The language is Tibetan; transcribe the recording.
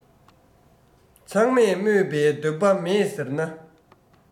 ཚང མས སྨོད པའི འདོད པ མེད ཟེར ན